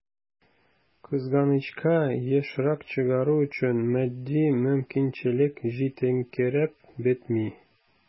Кызганычка, ешрак чыгару өчен матди мөмкинчелек җитенкерәп бетми.